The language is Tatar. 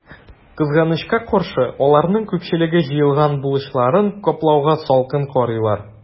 Кызганычка каршы, аларның күпчелеге җыелган бурычларын каплауга салкын карыйлар.